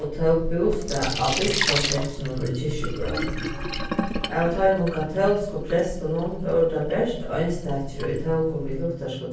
og tók bústað á bispasetrinum í kirkjubø av teimum katólsku prestunum vóru tað bert einstakir ið tóku við luthersku